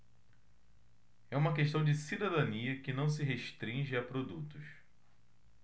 é uma questão de cidadania que não se restringe a produtos